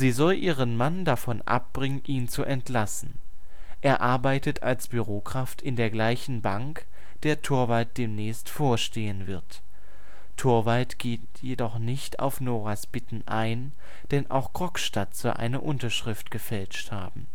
soll ihren Mann davon abbringen, ihn zu entlassen. Er arbeitet als Bürokraft in der gleichen Bank, der Torvald demnächst vorstehen wird. Torvald geht jedoch nicht auf Noras Bitten ein, denn auch Krogstad soll eine Unterschrift gefälscht haben